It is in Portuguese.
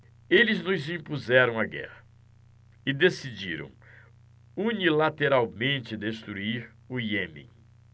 eles nos impuseram a guerra e decidiram unilateralmente destruir o iêmen